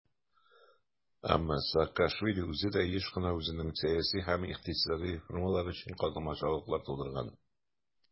Әмма Саакашвили үзе дә еш кына үзенең сәяси һәм икътисади реформалары өчен комачаулыклар тудырган.